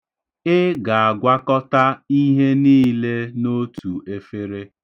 Ị ga-agwakọta ihe niile n'otu efere.